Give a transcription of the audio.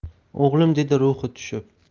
o'g'lim dedi ruhi tushib